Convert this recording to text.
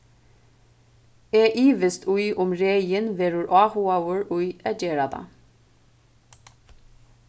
eg ivist í um regin verður áhugaður í at gera tað